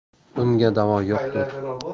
bunga davo yo'qtur